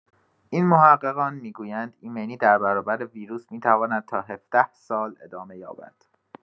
این محققان می‌گویند ایمنی در برابر ویروس می‌تواند تا ۱۷ سال ادامه یابد.